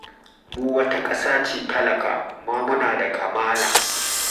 “Mu wata ƙasa ce talaka, amma muna da kamala.